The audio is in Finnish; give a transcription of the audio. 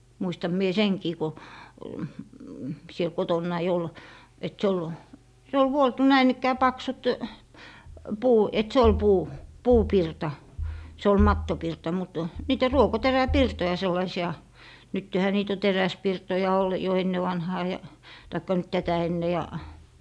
muistan minä senkin kun siellä kotonani oli että se oli se oli vuoltu näin ikään paksut - että se oli - puupirta se oli mattopirta mutta niitä ruokoteräpirtoja sellaisia nythän niitä on teräspirtoja - jo ennen vanhaan ja tai nyt tätä ennen ja